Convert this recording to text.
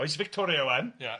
Oes Victoria ŵan ia.